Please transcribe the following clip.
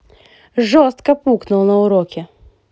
жестко пукнул на уроке